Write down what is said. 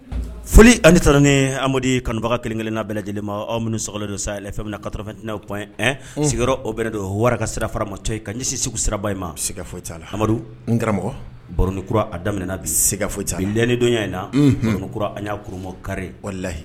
Foli ani taara ni amadu kanubaga kelen kelen' bɛ lajɛlen ma aw minnu so dɔ sa min katafɛntinaw sigiyɔrɔ o bɛ don waraka sira fara matɔ ye ka ɲɛsi segu siraba in ma s foyi karamɔgɔ barokura a daminɛmin bi se ka foyi nidonya in lakura an y'a kurumakari o layi